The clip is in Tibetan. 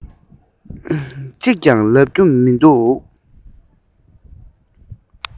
ང ཡང སྐད ཆ མེད པར